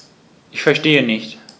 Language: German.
Ich verstehe nicht.